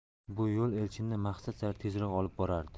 bu yo'l elchinni maqsad sari tezroq olib borardi